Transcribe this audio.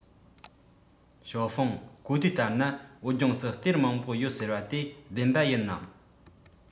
ཞའོ ཧྥུང གོ ཐོས ལྟར ན བོད ལྗོངས སུ གཏེར མང པོ ཡོད ཟེར བ དེ བདེན པ ཡིན ནམ